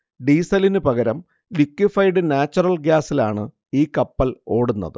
ഡീസലിന് പകരം liquefied natural ഗ്യാസിലാണ് ഈ കപ്പൽ ഓടുന്നത്